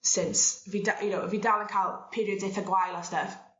since fi 'dy you know fi dal yn ca'l periods eitha gwael a styff